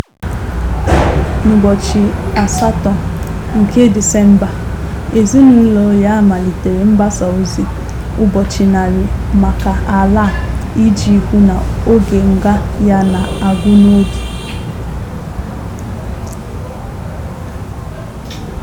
N'ụbọchị 8 nke Disemba, ezinụlọ ya malitere mgbasa ozi — "ụbọchị 100 maka Alaa" — iji hụ na oge nga ya ga-agwụ n'oge.